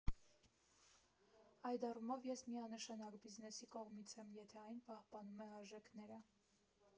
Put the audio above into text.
Այդ առումով ես միանշանակ բիզնեսի կողմից եմ, եթե այն պահպանում է արժեքները։